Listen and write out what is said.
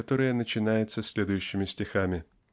которое начинается следующими стихами